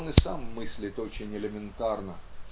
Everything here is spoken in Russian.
он и сам мыслит очень элементарно.